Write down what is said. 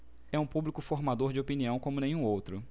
é um público formador de opinião como nenhum outro